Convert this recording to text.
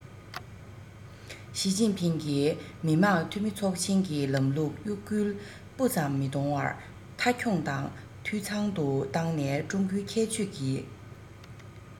ཞིས ཅིན ཕིང གིས མི དམངས འཐུས མི ཚོགས ཆེན གྱི ལམ ལུགས གཡོ འགུལ སྤུ ཙམ མི གཏོང བར མཐའ འཁྱོངས དང འཐུས ཚང དུ བཏང ནས ཀྲུང གོའི ཁྱད ཆོས ཀྱི